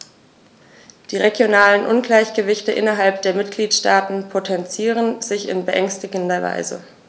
Die regionalen Ungleichgewichte innerhalb der Mitgliedstaaten potenzieren sich in beängstigender Weise.